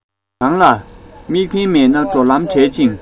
གང ལ དམིགས འབེན མེད ན འགྲོ ལམ བྲལ ཅིང